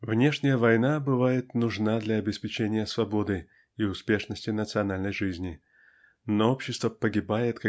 Внешняя война бывает нужна для обеспечения свободы и успешности национальной жизни но общество погибает